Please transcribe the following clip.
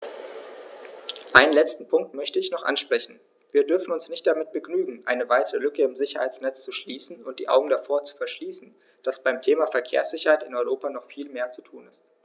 Einen letzten Punkt möchte ich noch ansprechen: Wir dürfen uns nicht damit begnügen, eine weitere Lücke im Sicherheitsnetz zu schließen und die Augen davor zu verschließen, dass beim Thema Verkehrssicherheit in Europa noch viel mehr zu tun ist.